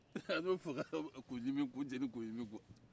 an y'o faga ko jeni k'o ɲimi kuwa